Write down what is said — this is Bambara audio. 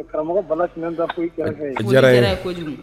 Karamɔgɔ